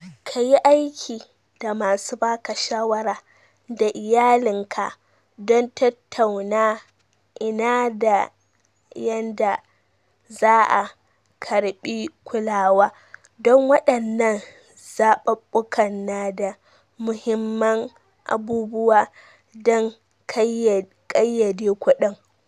Kayi aiki da masu baka shawara da iyalin ka don tattauna ina da yanda za’a karbi kulawa, don wadannan zabubbukan nada muhimman abubuwa don kayyade kudin.